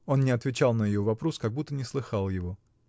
Он не отвечал на ее вопрос, как будто не слыхал его.